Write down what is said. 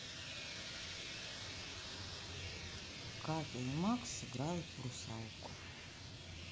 катя и макс играют в русалку